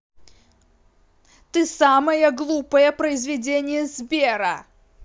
ты самая глупое произведение сбера